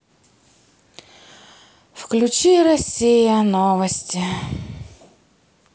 включи россия новости